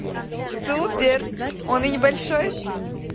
супер он и небольшой